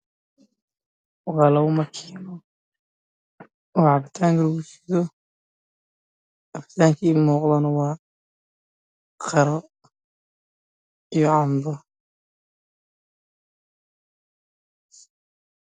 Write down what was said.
Waa labo ma kiinad oo cabitaanka lagu shiido